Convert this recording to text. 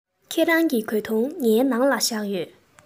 ཁྱེད རང གི གོས ཐུང ངའི ནང ལ བཞག ཡོད